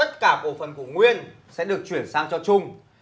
tất cả cổ phần của nguyên sẽ được chuyển sang cho trung